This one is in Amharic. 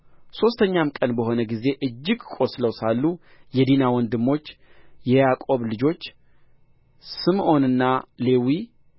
ሦስተኛም ቀን በሆነ ጊዜ እጅግ ቆስለው ሳሉ የዲና ወንድሞች የያዕቆብ ልጆች ስምዖንና ሌዊ